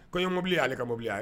Ko ye mobili' ale ka mɔbili a